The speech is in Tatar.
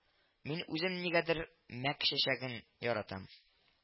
Мин үзем нигәдер мәк чәчәген яратам